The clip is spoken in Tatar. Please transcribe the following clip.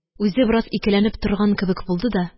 Үзе бераз икеләнеп торган кебек булды да,